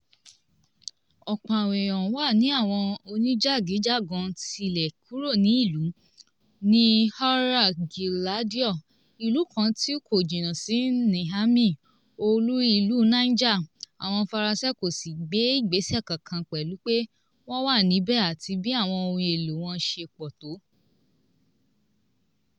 Ọ̀pọ̀ àwọn eèyan wa ni àwọn oníjàgíjàgan ti lè kúrò ní ìlú, ní Ouro Guéladio, ìlú kan tí kò jìnnà sí Niamey, olú ìlú Niger, àwọn faransé kò sì gbé ìgbẹ́sẹ̀ kankan pẹlú pé wọ́n wà níbẹ̀ àti bí àwọn ohun èlò wọn ṣe pọ̀ tó.